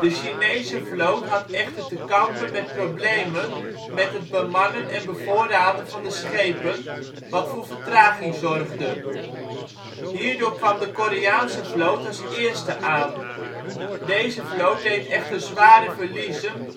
Chinese vloot had echter te kampen met problemen met het bemannen en bevoorraden van de schepen, wat voor vertraging zorgde. Hierdoor kwam de Koreaanse vloot als eerste aan. Deze vloot leed echter zware verliezen